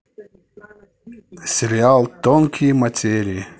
сериал тонкие материи